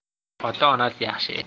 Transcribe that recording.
ota onasi yaxshi edi